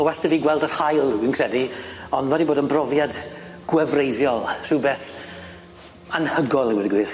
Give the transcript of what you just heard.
Ma' well 'dy fi gweld yr haul, wi'n credu ond ma' di bod yn brofiad gwefreiddiol, rhywbeth anhygoel i weud y gwir.